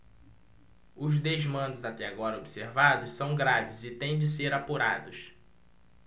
os desmandos até agora observados são graves e têm de ser apurados